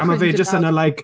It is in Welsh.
A ma fe jyst yna like...